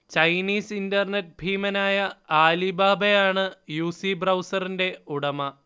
Chinese internet ഭീമനായ ആലിബാബയാണ് UC ബ്രൗസറിന്റെ ഉടമ